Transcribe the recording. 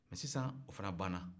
mɛ sisan o fana banna